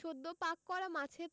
সদ্য পাক করা মাছের